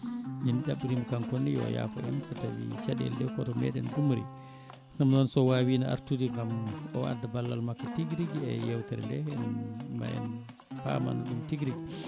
en ɗaɓɓirimo kankone yo yaafo en so tawi caɗele ɗe koto meɗen gummori ɗum noon so wawino artude gaam o adda balal makko tigui rigui e yetere nde ma en paman ɗum tigui rigui